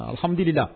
Alihamidu lila